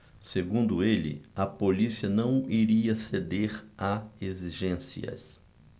segundo ele a polícia não iria ceder a exigências